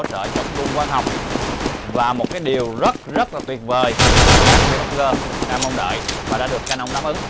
hõ trợ chống rung quang học và một điều rất rất là tuyệt vời mà các vlogger đang mong đợi và đã được canon đáp ứng